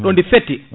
ɗo ndi fetti